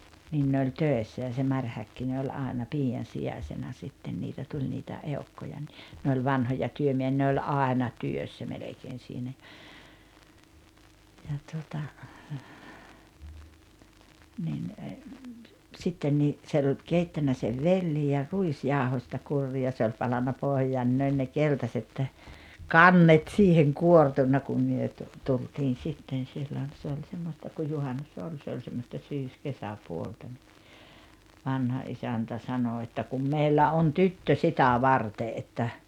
niin ne oli töissä ja se Mari Häkkinen oli aina piian sijaisena sitten niitä tuli niitä eukkoja niin ne oli vanhoja työmiehiä ne oli aina työssä melkein siinä ja ja tuota niin sitten niin se oli keittänyt sen vellin ja ruisjauhosta kurria ja se oli palanut pohjaan niin ne oli ne keltaiset kannet siihen kuortuneet kun me - tultiin sitten silloin se oli semmoista kun juhannus oli se oli semmoista syyskesäpuolta niin vanha isäntä sanoi että kun meillä on tyttö sitä varten että